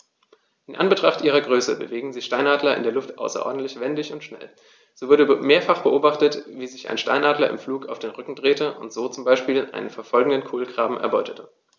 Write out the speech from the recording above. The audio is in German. In Anbetracht ihrer Größe bewegen sich Steinadler in der Luft außerordentlich wendig und schnell, so wurde mehrfach beobachtet, wie sich ein Steinadler im Flug auf den Rücken drehte und so zum Beispiel einen verfolgenden Kolkraben erbeutete.